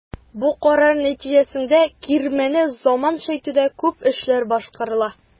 Бу карар нәтиҗәсендә кирмәнне заманча итүдә күп эшләр башкарыла.